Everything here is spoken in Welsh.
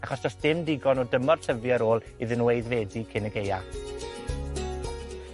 Achos do's dim digon o dymor tyfu ar ôl iddyn nw aeddfedu cyn y gaea.